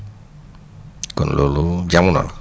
kon loolu jamono la